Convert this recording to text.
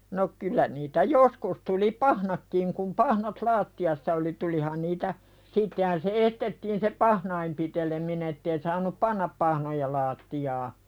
no kyllä niitä joskus tuli pahnatkin kun pahnat lattiassa oli tulihan niitä sittenhän se estettiin se pahnojen piteleminen että ei saanut panna pahnoja lattiaan